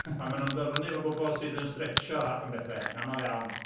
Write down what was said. Ond maen nhw'n dod fyny efo bobl sydd yn stretsio ac yn bethau, yn aml iawn.